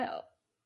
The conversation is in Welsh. el-